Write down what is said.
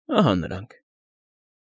Ահա նրանք։